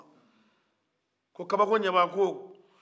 ko kabakoɲɛba ko